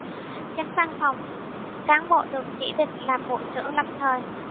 chánh văn phòng các bộ được chỉ định làm bộ trưởng lâm thời